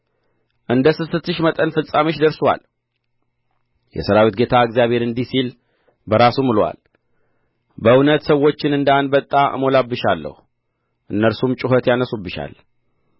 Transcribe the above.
እንደ ስስትሽ መጠን ፍጻሜሽ ደርሶአል የሠራዊት ጌታ እግዚአብሔር እንዲህ ሲል በራሱ ምሎአል በእውነት ሰዎችን እንደ አንበጣ እሞላብሻለሁ እነርሱም ጩኸት ያነሡብሻል